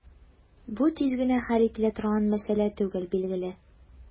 Бу тиз генә хәл ителә торган мәсьәлә түгел, билгеле.